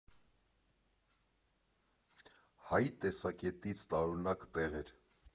Հայի տեսակետից տարօրինակ տեղ էր։